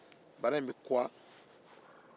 bara in bɛ kuwa